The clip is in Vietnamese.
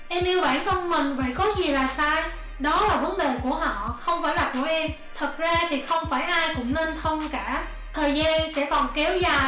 em yêu bản thân mình vậy có gì là sai đó là vấn đề của họ không phải là của em thật ra thì không phải ai cũng nên thân cả thời gian sẽ còn kéo dài